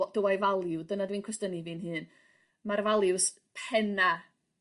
What do I value? Dyna dwi'n cwestinu fi'n hun. Mae'r values penna